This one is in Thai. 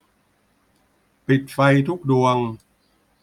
ปิดไฟทุกดวง